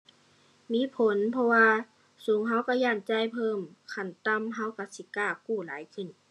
มีผลเพราะว่าสูงเราเราย้านจ่ายเพิ่ม คันต่ำเราเราสิกล้ากู้หลายขึ้น